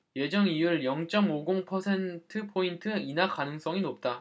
예정이율 영 쩜 오 공 퍼센트포인트 인하 가능성이 높다